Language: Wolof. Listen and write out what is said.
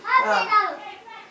waaw